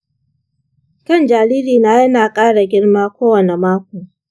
kan jaririna yana ƙara girma kowane mako.